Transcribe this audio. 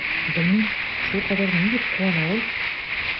Белмим, шулкадәр ни дип куана ул?